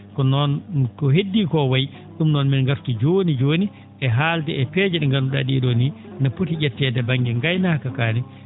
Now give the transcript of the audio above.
ko noon ko heddii koo wayi ?um noon maa en ngartu jooni jooni e haalde e peeje ?e ngandu?a ?ee ?oo nii no poti ?etteede ba?nge gaynakakane